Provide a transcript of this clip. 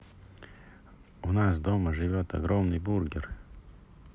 у нас дома живет огромный бургер